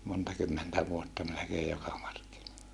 monta kymmentä vuotta melkein joka markkinoilla